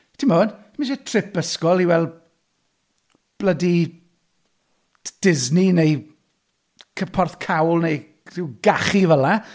Timod, 'm isie trip ysgol i weld bloody d- Disney neu cy- Porth Cawl neu rhyw gachu fel 'na.